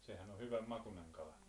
sehän on hyvän makuinen kala